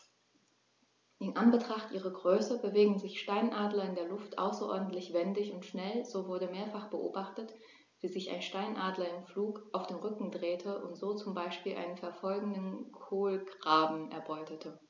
In Anbetracht ihrer Größe bewegen sich Steinadler in der Luft außerordentlich wendig und schnell, so wurde mehrfach beobachtet, wie sich ein Steinadler im Flug auf den Rücken drehte und so zum Beispiel einen verfolgenden Kolkraben erbeutete.